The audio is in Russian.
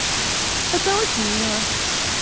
это очень мило